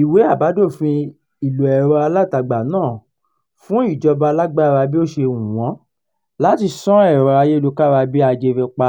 Ìwé àbádòfin ìlò ẹ̀rọ alátagbà náà fún ìjọba lágbára bí ó ṣe hù wọ́n láti ṣán ẹ̀rọ ayélukára bí ajere pa